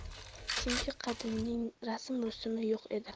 chunki qadimning rasm rusimi yo'q endi